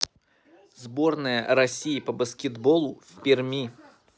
сборная россии по баскетболу в перми